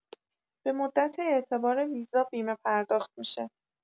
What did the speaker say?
به مدت اعتبار ویزا بیمه پرداخت می‌شه